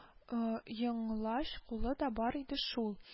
Ы йоңлач кулы да бар иде шул